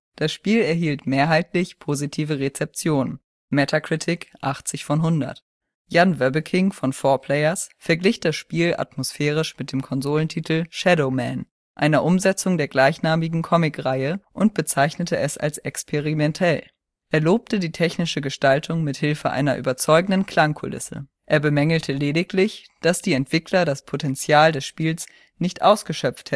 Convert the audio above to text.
Das Spiel erhielt mehrheitlich positive Rezeptionen (Metacritic: 80 von 100). Jan Wöbbeking von 4Players verglich das Spiel atmosphärisch mit dem Konsolentitel Shadow Man, einer Umsetzung der gleichnamigen Comicreihe, und bezeichnete es als experimentell. Er lobte die technische Gestaltung mit Hilfe einer überzeugenden Klangkulisse. Er bemängelte lediglich, dass die Entwickler das Potential des Spiels nicht ausgeschöpft